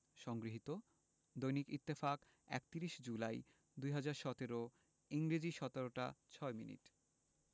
সংগৃহীত দৈনিক ইত্তেফাক ৩১ জুলাই ২০১৭ ইংরেজি ১৭ টা ৬ মিনিট